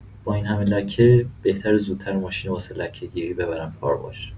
با این همه لکه، بهتره زودتر ماشینو واسه لکه‌گیری ببرم کارواش.